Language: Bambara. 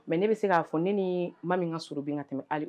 Mɛ ne bɛ se k'a fɔ ne ni ma min ka s bin ka tɛmɛ